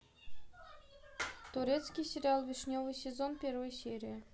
турецкий сериал вишневый сезон первая серия